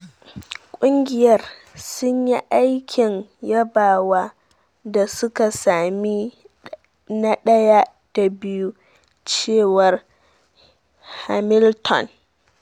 Kungiyar sunyi aikin yabawa da suka sami na daya da biyu,” cewar Hamilton.